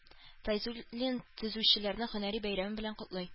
Фәйзуллин төзүчеләрне һөнәри бәйрәмнәре белән котлый